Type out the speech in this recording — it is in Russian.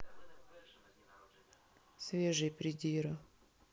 свежий придира